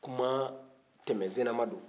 kuma tɛmɛ senna ma don